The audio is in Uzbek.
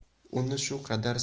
uni shu qadar